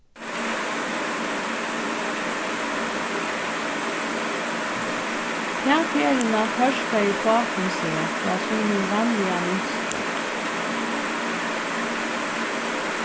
ta ferðina førkaði pápin seg frá sínum vanliga mynstri